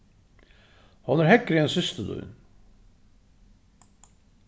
hon er hægri enn systir tín